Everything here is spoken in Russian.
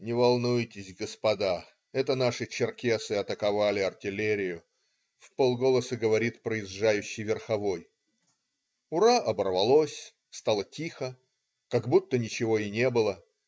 "Не волнуйтесь, господа, это наши черкесы атаковали артиллерию",вполголоса говорит проезжающий верховой. "Ура" оборвалось. Стало тихо. Как будто ничего и не было.